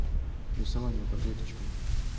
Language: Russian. рисование по клеточкам